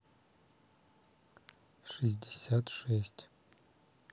шестьдесят шесть